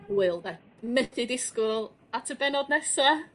Hwyl 'de? Methu disgwyl at y bennod nesa.